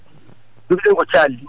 duuteɗe ko calli